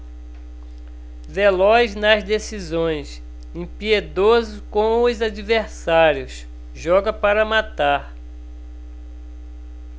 veloz nas decisões impiedoso com os adversários joga para matar